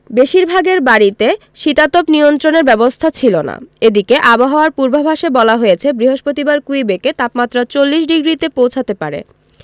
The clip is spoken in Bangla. বেশিরভাগের বাড়িতে শীতাতপ নিয়ন্ত্রণের ব্যবস্থা ছিল না এদিকে আবহাওয়ার পূর্বাভাসে বলা হয়েছে বৃহস্পতিবার কুইবেকে তাপমাত্রা ৪০ ডিগ্রিতে পৌঁছাতে পারে